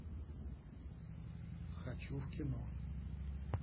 хочу кино